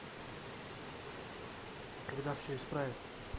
когда все исправят